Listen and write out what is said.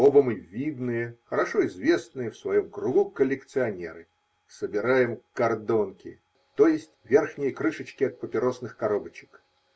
Оба мы -- видные, хорошо известные в своем кругу коллекционеры: собираем "кардонки", т.е. верхние крышечки от папиросных коробочек.